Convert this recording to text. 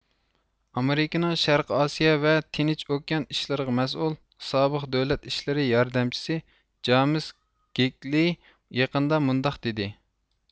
ئامېرىكىنىڭ شەرقىي ئاسىيا ۋە تىنچ ئوكيان ئىشلىرىغا مەسئۇل سابىق دۆلەت ئىشلىرى ياردەمچىسى جامېس كېگلېي يېقىندا مۇنداق دېدى